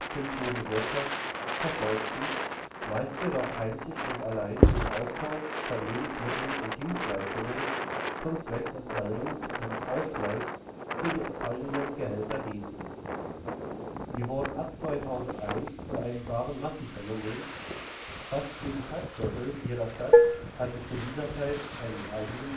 (zinslose Wirtschaft) verfolgten, meist jedoch einzig und allein dem Austausch von Lebensmitteln und Dienstleistungen zum Zweck des Erringens eines Ausgleichs für die fallenden Gehälter dienten. Sie wurden ab 2001 zu einem wahren Massenphänomen, fast jedes Stadtviertel jeder Stadt hatte zu dieser Zeit einen eigenen